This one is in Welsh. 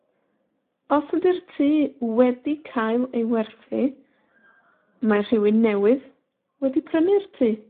Os ydi'r tŷ wedi cael ei werthu, mae rhywun newydd wedi prynu'r tŷ.